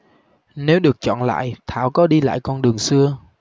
nếu được chọn lại thảo có đi lại con đường xưa